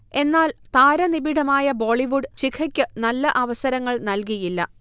എന്നാൽ, താരനിബിഢമായ ബോളിവുഡ് ശിഖയ്ക്ക് നല്ല അവസരങ്ങൾ നൽകിയില്ല